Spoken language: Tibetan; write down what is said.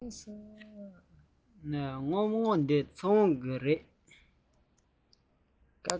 སྔོན པོ འདི ཚེ དབང གི རེད